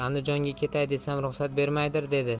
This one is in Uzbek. andijonga ketay desam ruxsat bermaydir dedi